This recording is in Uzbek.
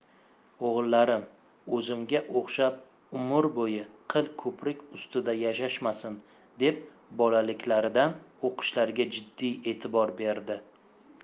o'g'illarim o'zimga o'xshab umr bo'yi qil ko'prik ustida yashashmasin deb bolaliklaridan o'qishlariga jiddiy e'tibor berdi